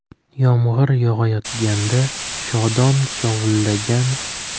yomg'ir yog'ayotganda shodon shovullagan